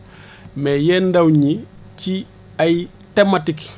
mais yee ndaw ñi ci ay thématiques